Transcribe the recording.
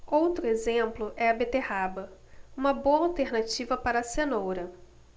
outro exemplo é a beterraba uma boa alternativa para a cenoura